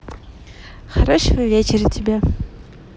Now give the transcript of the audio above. хорошего вечера тебе